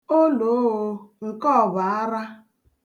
Olooo! Nke a ọ bụ ara?